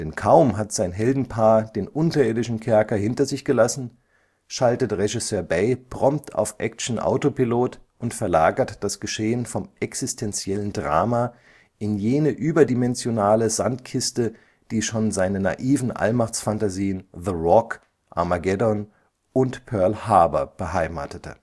kaum hat sein Heldenpaar den unterirdischen Kerker hinter sich gelassen, schaltet Regisseur Bay prompt auf Action-Autopilot und verlagert das Geschehen vom existenziellen Drama in jene überdimensionierte Sandkiste, die schon seine naiven Allmachtsphantasien The Rock, Armageddon und Pearl Harbor beheimatete